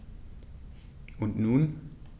Und nun?